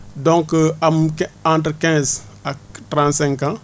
donc am quin entre quinze ak trente cinq ans